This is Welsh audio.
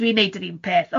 dwi'n wneud yr un peth.